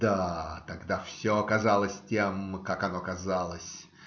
Да, тогда все казалось тем, как оно казалось.